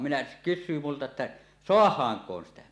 minä kysyy minulta että saadaankohan sitä